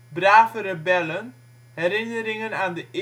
Brave rebellen: Herinneringen aan de